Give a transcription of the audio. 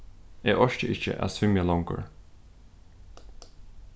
eg orki ikki at svimja longur